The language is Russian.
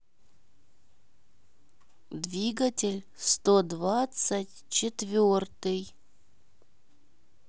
двигатель сто двадцать четвертый